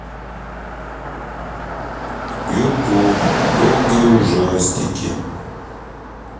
ютуб долгие ужастики